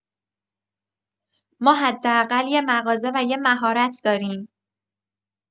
ما حداقل یه مغازه و یه مهارت داریم.